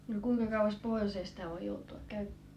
no kuinka kauas pohjoiseen sitä on --